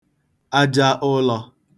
aja ụlọ̄